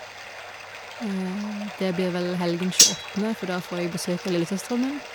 Det blir vel helgen tjueåttende, for da får jeg besøk av lillesøsteren min.